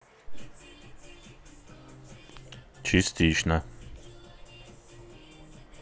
частично